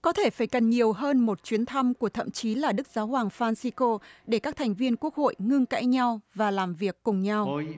có thể phải cần nhiều hơn một chuyến thăm của thậm chí là đức giáo hoàng phan xi cô để các thành viên quốc hội ngưng cãi nhau và làm việc cùng nhau